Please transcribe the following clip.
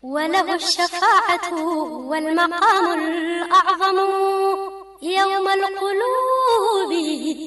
Walimabugu walima ɲama wu